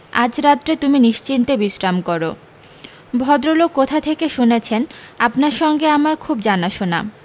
আজ রাত্রে তুমি নিশ্চিন্তে বিশরাম করো ভদ্রলোক কোথা থেকে শুনেছেন আপনার সঙ্গে আমার খুব জানাশোনা